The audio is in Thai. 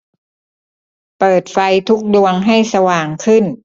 เปิดไฟทุกดวงให้สว่างขึ้น